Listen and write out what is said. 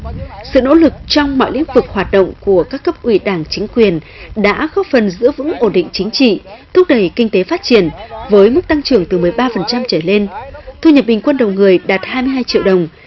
sự nỗ lực trong mọi lĩnh vực hoạt động của các cấp ủy đảng chính quyền đã góp phần giữ vững ổn định chính trị thúc đẩy kinh tế phát triển với mức tăng trưởng từ mười ba phần trăm trở lên thu nhập bình quân đầu người đạt hai mươi hai triệu đồng